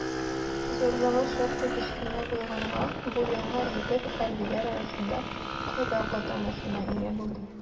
Зурлыгы шактый кечкенә булганга, бу яңа әйбер хәрбиләр арасында «кадак» атамасына ия булды.